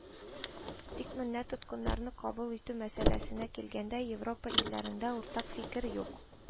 Тик менә тоткыннарны кабул итү мәсьәләсенә килгәндә, Европа илләрендә уртак фикер юк